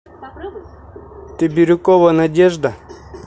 ты бирюкова надежда